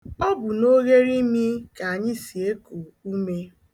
Ọ bụ n'ogheriimi ka anyị si eku ume.